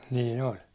niin oli